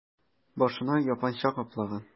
Башына япанча каплаган...